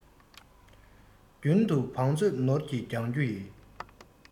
རྒྱུན དུ བང མཛོད ནོར གྱིས བརྒྱང རྒྱུ གྱིས